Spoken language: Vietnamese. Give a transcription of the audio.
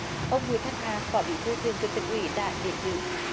ông bùi thanh hà phó bí thư thường trực tỉnh ủy đã đến dự